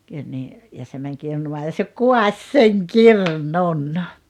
kyllä niin ja se meni kirnuamaan ja se kaatoi sen kirnun